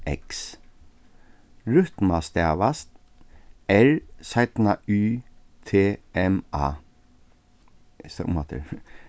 x rytma stavast r t m a